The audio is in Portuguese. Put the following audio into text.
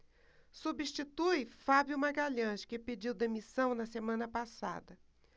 substitui fábio magalhães que pediu demissão na semana passada